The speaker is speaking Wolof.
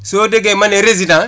soo déggee ma ne résident